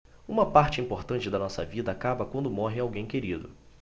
uma parte importante da nossa vida acaba quando morre alguém querido